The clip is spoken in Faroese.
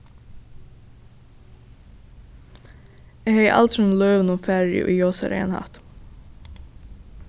eg hevði aldrin í lívinum farið í ljósareyðan hatt